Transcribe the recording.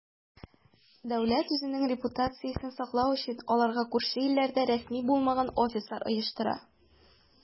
Дәүләт, үзенең репутациясен саклау өчен, аларга күрше илләрдә рәсми булмаган "офислар" оештыра.